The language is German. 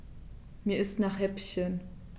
Mir ist nach Häppchen.